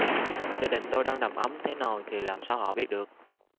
gia đình tôi đang đầm ấm thế nào thì làm sao họ biết được